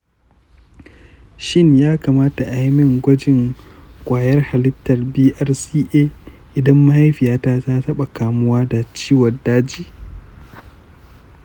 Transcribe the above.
shin ya kamata a yi mini gwajin kwayar halittar brca idan mahaifiyata ta taba kamuwa da ciwon daji?